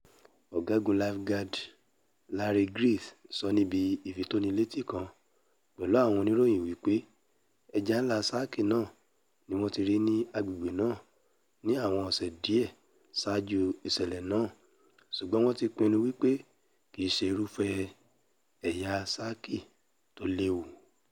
Ọ̀gágun Lifeguard LarrycGiles sọ níbi ìfitónilétí kan pẹ̀lú àwọn oníròyìn wípé ẹja ńlá sáàkì náà ni wọ́n ti rí ní agbègbè̀ náà ní àwọn ọ̀sẹ̀ díẹ̀ saájú ìṣẹ̀lẹ́ náà, ṣùgbọ́n wọ́n ti pinnu wípé kìí ṣe irufẹ́ ẹ̀yà sáàkì tó léwu.